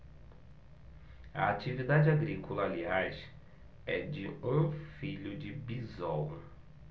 a atividade agrícola aliás é de um filho de bisol